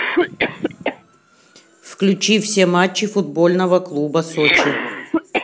включи все матчи футбольного клуба сочи